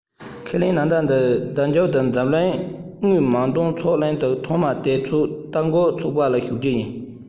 ཁས ལེན ནང ཟླ འདིའི ཟླ མཇུག ཏུ འཛམ གླིང དངོས མང སྟོན ཚོགས གླིང ཁུལ ཐོག མ དེ ཚོད ལྟ བྱེད འགོ ཚུགས པ ལ ཞུགས རྒྱུ ཡིན པ རེད